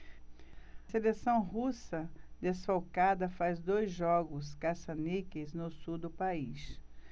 seleção russa desfalcada faz dois jogos caça-níqueis no sul do país